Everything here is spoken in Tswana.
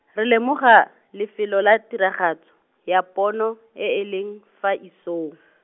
re lemoga, lefelo la tiragatso, ya pono, e e leng, fa isong.